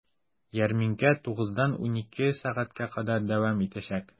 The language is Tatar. Ярминкә 9 дан 12 сәгатькә кадәр дәвам итәчәк.